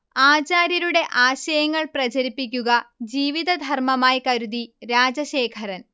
ആചാര്യരുടെ ആശയങ്ങൾ പ്രചരിപ്പിക്കുക ജീവിതധർമമായി കരുതി രാജശേഖരൻ